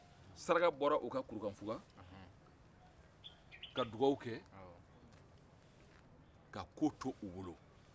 saraka bɔra o kan kurukanfuga ka dugawu kɛ ka ko to u bolo